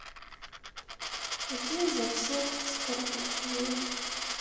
один за всех с карпачевым